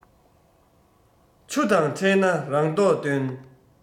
ཆུ དང ཕྲད ན རང མདོག སྟོན